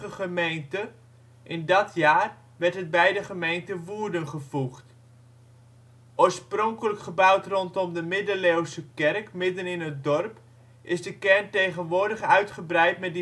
gemeente, in dat jaar werd het bij de gemeente Woerden gevoegd. Oorspronkelijk gebouwd rondom de middeleeuwse kerk midden in het dorp, is de kern tegenwoordig uitgebreid met diverse